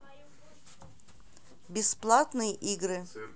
бесплатные игры